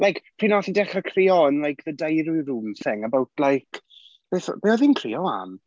Like pryd wnaeth hi dechrau crio'n y like the diary room thing about like... Beth oedd hi'n crio am?